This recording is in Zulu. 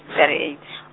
thirty eight .